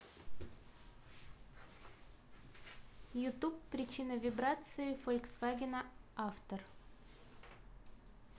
youtube причина вибрации фольцвагена автор